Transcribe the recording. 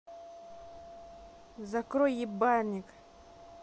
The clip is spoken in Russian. закрой ебальник